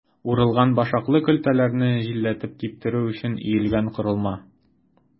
Урылган башаклы көлтәләрне җилләтеп киптерү өчен өелгән корылма.